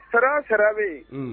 Sara bɛ yen